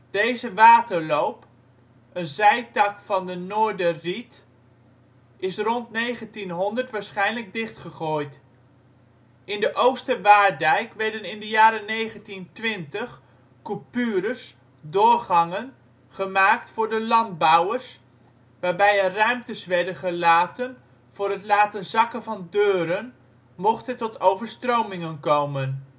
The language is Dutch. Deze waterloop, een zijtak van de Noorderried, is rond 1900 waarschijnlijk dichtgegooid. In de Ooster Waarddijk werden in de jaren 1920 coupures (doorgangen) gemaakt voor de landbouwers, waarbij er ruimtes werden gelaten voor het laten zakken van deuren, mocht het tot overstromingen komen